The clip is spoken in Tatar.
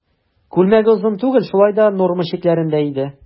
Күлмәге озын түгел, шулай да норма чикләрендә иде.